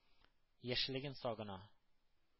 Яшьлеген сагына.